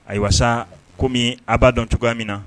Ayiwa sa, komi a b'a dɔn cogoya min na